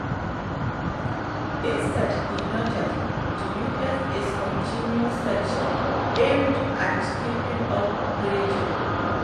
Instead, he noted, the U.S. is continuing sanctions aimed at keeping up pressure.